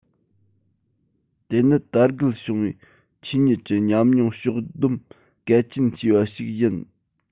དེ ནི དར རྒུད བྱུང བའི ཆོས ཉིད ཀྱི ཉམས མྱོང ཕྱོགས བསྡོམས གལ ཆེན བྱས པ ཞིག ཡིན